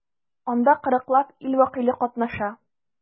Анда 40 лап ил вәкиле катнаша.